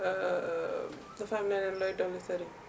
dafa am leneen looy dolli Serigne